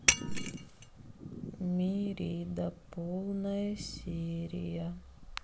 мирида полная серия